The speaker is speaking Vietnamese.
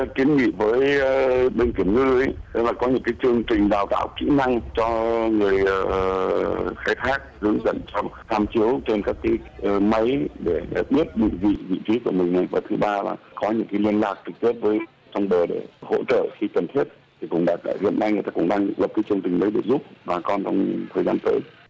kiến nghị với bên chuyển ngư ý tức là có những cái chương trình đào tạo kỹ năng cho người ờ khai thác hướng dẫn tham chiếu trên các cái máy để biết định vị vị trí của mình người và thứ ba là có những cái lây lan trực tiếp với trong đời để hỗ trợ khi cần thiết thì cũng đã thể hiện nay người ta cũng đang là cái chương trình này giúp bà con thời gian tới